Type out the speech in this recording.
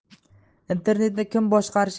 internetni kim boshqarishi